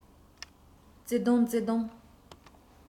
བརྩེ དུང བརྩེ དུང